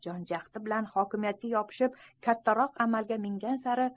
jon jahdi bilan hokimiyatga yopishib kattaroq amalga mingan sari